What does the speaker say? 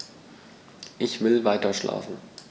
Ich will weiterschlafen.